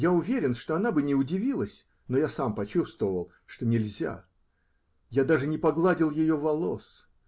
Я уверен, что она бы не удивилась, но я сам почувствовал, что нельзя. Я даже не погладил ее волос.